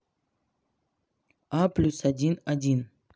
а плюс один один